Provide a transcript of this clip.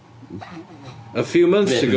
A few months ago...